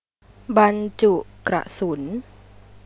บรรจุกระสุน